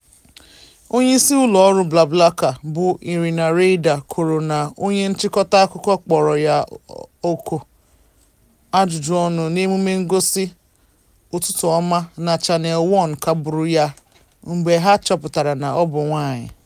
Onye isi ụlọọrụ BlaBlaCar bụ Irina Reyder kwuru na onye nchịkọta akụkọ kpọrọ ya oku ajụjụọnụ n'emume ngosi Good Morning na Channel One kagburu ya mgbe ha chọpụtara na ọ bụ nwaanyị.